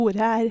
Ordet er...